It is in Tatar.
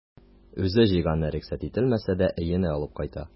Үзе җыйганны рөхсәт ителмәсә дә өенә алып кайта.